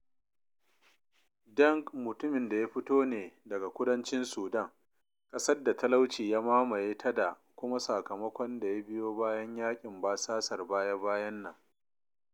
Deng mutumin da ya fito ne daga kudancin Sudan, ƙasar da talauci ya mamaye ta da kuma sakamakon da ya biyo bayan yaƙin basasar baya-bayan nan.